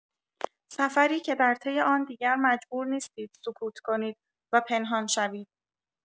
سفری که در طی آن دیگر مجبور نیستید سکوت کنید و پنهان شوید.